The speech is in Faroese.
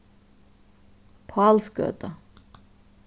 pálsgøta